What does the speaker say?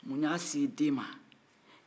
mun y'a se den ma